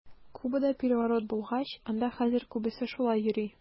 Кубада переворот булгач, анда хәзер күбесе шулай йөри.